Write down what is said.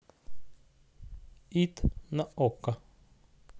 ит на окко